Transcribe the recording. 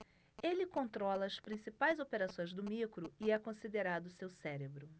ele controla as principais operações do micro e é considerado seu cérebro